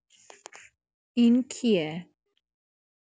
این کیه؟